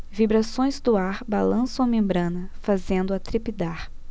vibrações do ar balançam a membrana fazendo-a trepidar